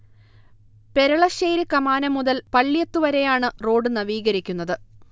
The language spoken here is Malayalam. പെരളശ്ശേരി കമാനം മുതൽ പള്ള്യത്ത് വരെയാണ് റോഡ് നവീകരിക്കുന്നത്